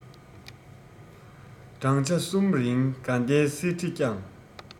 བགྲང བྱ གསུམ རིང དགའ ལྡན གསེར ཁྲི བསྐྱངས